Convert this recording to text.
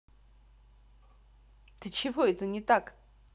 ты чего это не так